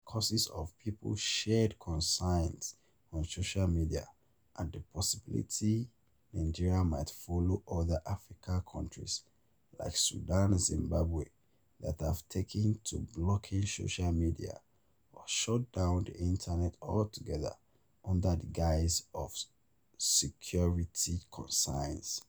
Scores of people shared concerns on social media at the possibility Nigeria might follow other African countries [like Sudan, Zimbabwe] that have taken to blocking social media or shut down the internet altogether under the guise of security concerns.